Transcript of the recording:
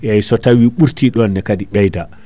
eyyi so tawi ɓurti ɗonne kaadi ɓeyda